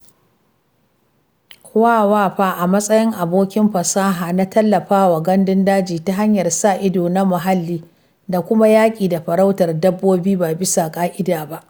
WWF a matsayin abokin fasaha na tallafawa gandun dajin ta hanyar sa ido na muhalli da kuma yaki da farautar dabbobi ba bisa ka’ida ba.